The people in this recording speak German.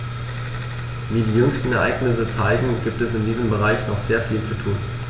Wie die jüngsten Ereignisse zeigen, gibt es in diesem Bereich noch sehr viel zu tun.